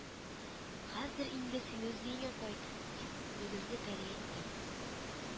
— хәзер инде син үз өеңә кайт, — дип, мөгезле пәри әйтте